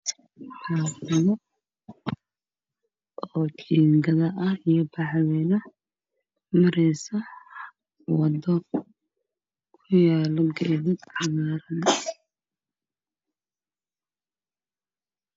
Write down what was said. Waa guri darbi waa jiingad